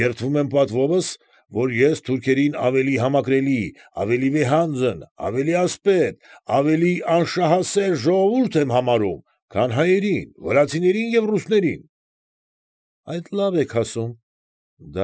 Երդվում եմ պատվովս, որ ես թուրքերին ավելի համակրելի, ավելի վեհանձն, ավելի ասպետ, ավելի անշահասեր ժողովուրդ եմ համարում, քան հայերին, վրացիներին և ռուսներին։ ֊ Այդ լավ եք խոսում,֊